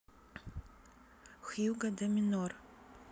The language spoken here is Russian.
hugo de minor